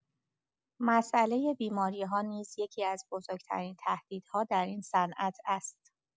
مسئله بیماری‌ها نیز یکی‌از بزرگ‌ترین تهدیدها در این صنعت است.